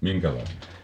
minkälainen